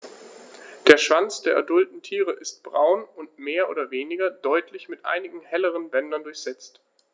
Der Schwanz der adulten Tiere ist braun und mehr oder weniger deutlich mit einigen helleren Bändern durchsetzt.